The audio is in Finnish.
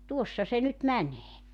tuossa se nyt menee